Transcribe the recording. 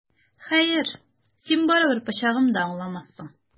Хәер, син барыбер пычагым да аңламассың!